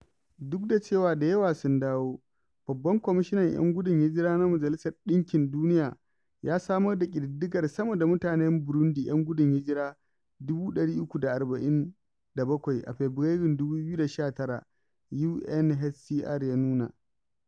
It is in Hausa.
Duk da cewa da yawa sun dawo, babban kwamishin 'yan gudun hijira na Majalisar ɗinkin Duniya ya samar da ƙididdigar sama da mutanen Burundi 'yan gudun hijira 347,000 a Fabarairun 2019 UNHCR ya nuna: